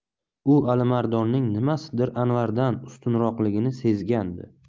u alimardonning nimasidir anvardan ustunroqligini segandi